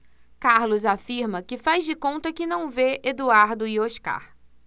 carlos afirma que faz de conta que não vê eduardo e oscar